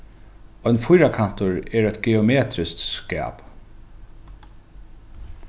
ein fýrakantur er eitt geometriskt skap